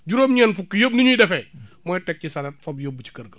juróom-ñeent fukk yëpp nu ñuy defee mooy teg ci charette fob yóbbu ci kër ga